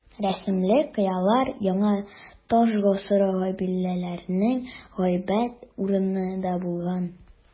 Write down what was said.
Рәсемле кыялар яңа таш гасыры кабиләләренең гыйбадәт урыны да булган.